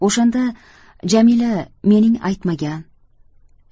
o'shanda jamila mening aytmagan